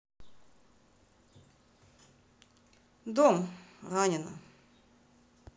дом ранена